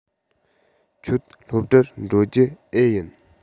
ཁྱོད སློབ གྲྭར འགྲོ རྒྱུ འེ ཡིན